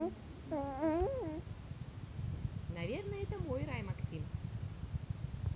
наверно это мой рай макsим